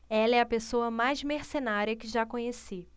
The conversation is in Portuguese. ela é a pessoa mais mercenária que já conheci